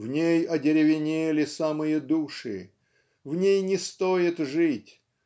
В ней одеревенели самые души. В ней не стоит жить.